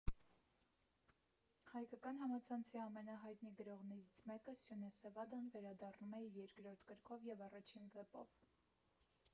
Հայկական համացանցի ամենահայտնի գրողներից մեկը՝ Սյունե Սևադան, վերադառնում է իր երկրորդ գրքով և առաջին վեպով։